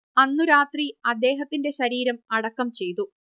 അന്നു രാത്രി അദ്ദേഹത്തിന്റെ ശരീരം അടക്കം ചെയ്തു